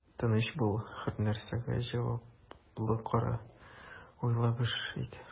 Тыныч бул, һәрнәрсәгә җаваплы кара, уйлап эш ит.